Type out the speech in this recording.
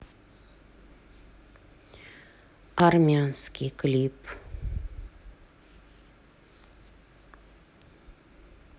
армянский клип